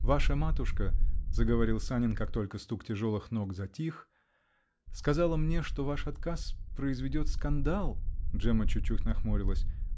-- Ваша матушка, -- заговорил Санин, как только стук тяжелых ног затих, -- сказала мне, что ваш отказ произведет скандал (Джемма чуть-чуть нахмурилась)